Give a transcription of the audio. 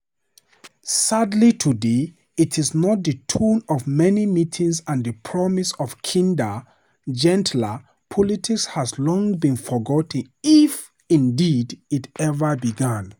Sadly today, it is not the tone of many meetings and the promise of "kinder, gentler" politics has long been forgotten if, indeed, it ever began.